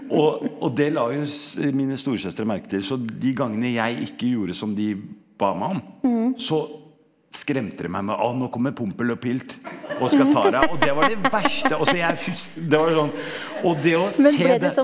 og og det la jo mine storesøstre merke til, så de gangene jeg ikke gjorde som de ba meg om så skremte de meg med å nå kommer Pompel og Pilt og skal ta deg, og det var det verste, også jeg da var det var sånn og det å se det.